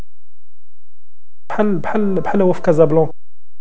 محمد حلب حلوه كذاب